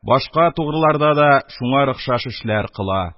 Башка тугрыларда да шуңар охшаш эшләр кыла;